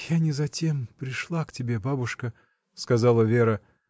— Я не за тем пришла к тебе, бабушка, — сказала Вера.